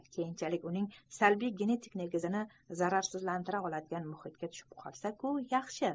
keyinchalik uning salbiy genetik negizini zararsizlantira oladigan muhitga tushib qolsa ku yaxshi